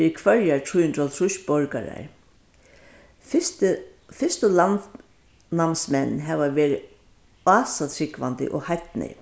fyri hvørjar trý hundrað og hálvtrýss borgarar fyrsti fyrstu landnámsmenn hava verið ásatrúgvandi og heidnir